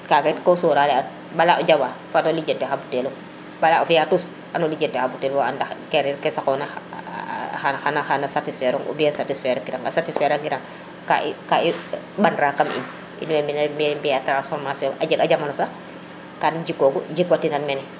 kaga yit ko sora le en bala o jawa fato lijit xa bitelof bala o fiya tus xano lijit xa bitelof bo an ndax ke saqo na a xana satisfaire oŋ wala satisfaire kiraŋ satisfaire ngiran ka i mban ra kam in in we na mbiya transformation a jeg a jamano sax kan jiko gu jikwa tinan